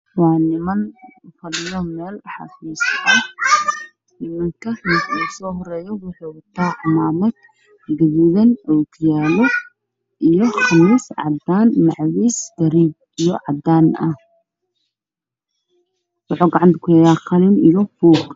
Waa niman fadhiyaan meel xafiis ah niman ka midka ugu soo horeeyo waxa uu wataa cimaamad guduudan oo kiyaalo iyo khamiis cadaan iyo macawiis maariin iyo cadaan ah wuxuu gacanta ku hayaa qalin iyo buug